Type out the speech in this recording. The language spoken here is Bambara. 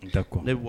Ka ko ne wa